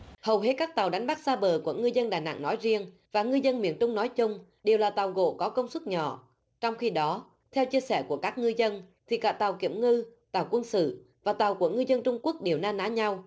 hầu hết các tàu đánh bắt xa bờ của ngư dân đà nẵng nói riêng và ngư dân miền trung nói chung đều là tàu gỗ có công suất nhỏ trong khi đó theo chia sẻ của các ngư dân thì cả tàu kiểm ngư tàu quân sự và tàu của ngư dân trung quốc đều na ná nhau